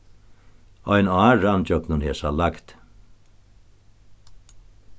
ein á rann ígjøgnum hesa lægd